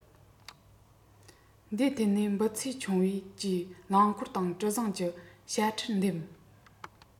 འདིའི ཐད ནས འབུད ཚད ཆུང བའི ཀྱི རླངས འཁོར དང གྲུ གཟིངས ཀྱི དཔྱ ཁྲལ འདེམས